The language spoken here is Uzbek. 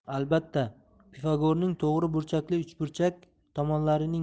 albatta pifagorning to'gri burchakli uchburchak tomonlarining